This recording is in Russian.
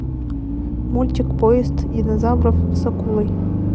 мультик поезд динозавров с акулой